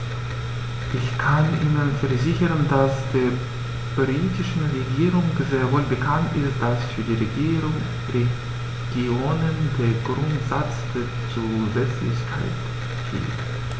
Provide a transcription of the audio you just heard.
Ich kann Ihnen versichern, dass der britischen Regierung sehr wohl bekannt ist, dass für die Regionen der Grundsatz der Zusätzlichkeit gilt.